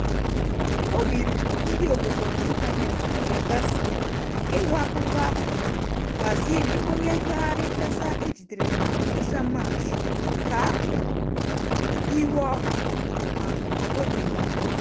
Obi ruru ndị obodo ịntaneetị Malagasy ala ịnụ akụkọ ahụ na Razily, onye ngagharị mkpesa e jidere na ngwụcha Maachị, ka a hụrụ n'ihu ọha (fr) ma ahụ dị ya mma.